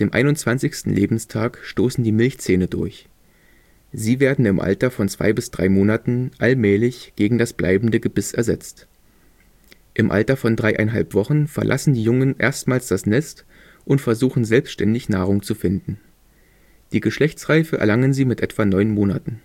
21. Lebenstag stoßen die Milchzähne durch. Sie werden im Alter von zwei bis drei Monaten allmählich gegen das bleibende Gebiss ersetzt. Im Alter von dreieinhalb Wochen verlassen die Jungen erstmals das Nest und versuchen selbständig Nahrung zu finden. Die Geschlechtsreife erlangen sie mit etwa neun Monaten